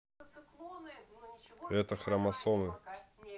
это хромосомы